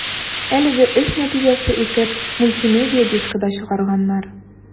Әлеге эш нәтиҗәсе итеп мультимедия дискы да чыгарганнар.